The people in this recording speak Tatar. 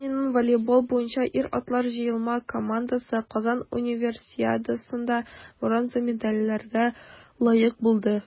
Япониянең волейбол буенча ир-атлар җыелма командасы Казан Универсиадасында бронза медальләргә лаек булды.